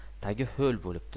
tagi ho'l bo'libdi